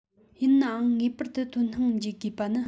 ཡིན ནའང ངེས པར དུ དོ སྣང བགྱི དགོས པ ནི